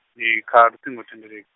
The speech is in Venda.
ndi kha luṱingo thendeleki.